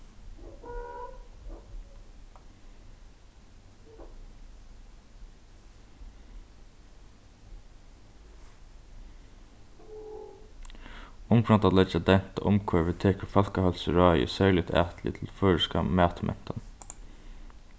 umframt at leggja dent á umhvørvið tekur fólkaheilsuráðið serligt atlit til føroyska matmentan